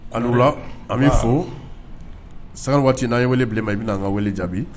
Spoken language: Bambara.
A ni wula an b'i fo sanga ni waatiti n'an ye wele bila i ma i bɛna an ka weele jaabi.